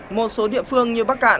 một số địa phương như bắc kạn